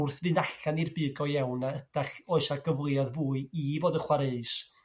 wrth fynd allan i'r byd go iawn yrr ydach... Oes 'a gyfleoedd fwy i fod y' chwareus?